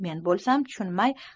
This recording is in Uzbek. men bo'lsam tushunmay